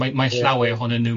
Mae mae llawer ohonyn nhw.